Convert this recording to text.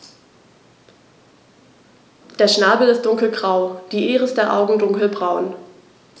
Der Schnabel ist dunkelgrau, die Iris der Augen dunkelbraun.